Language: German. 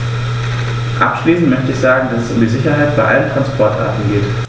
Abschließend möchte ich sagen, dass es um die Sicherheit bei allen Transportarten geht.